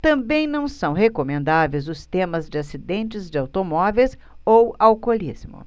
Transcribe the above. também não são recomendáveis os temas de acidentes de automóveis ou alcoolismo